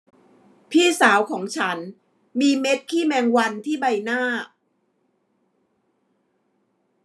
พี่สาวของฉันมีเม็ดขี้แมงวันที่ใบหน้า